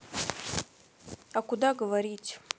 а куда говорить